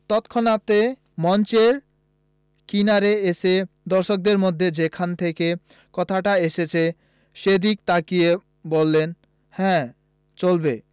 তৎক্ষনাত মঞ্চের কিনারে এসে দর্শকদের মধ্যে যেখান থেকে কথাটা এসেছে সেদিকে তাকিয়ে বললেন হ্যাঁ চলবে